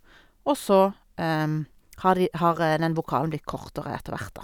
Og så har de har den vokalen blitt kortere etter hvert, da.